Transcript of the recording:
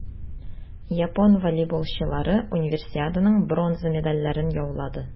Япон волейболчылары Универсиаданың бронза медальләрен яулады.